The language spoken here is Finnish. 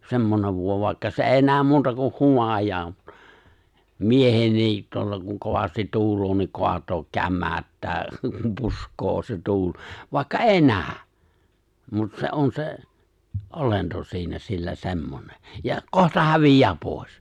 semmoinen voima vaikka se ei näe muuta kuin humajaa miehenkin tuolla kun kovasti tuulee niin kaataa kämäyttää puskee se tuuli vaikka ei näy mutta se on se olento siinä sillä semmoinen ja kohta häviää pois